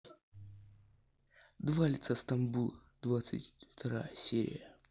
два лица стамбула двадцать вторая серия